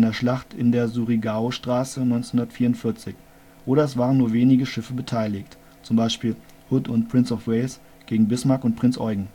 Schlacht in der Surigao-Straße (1944), oder es waren nur wenige Schiffe beteiligt (Hood und Prince of Wales gegen Bismarck & Prinz Eugen